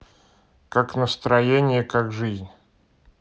как настроение как жизнь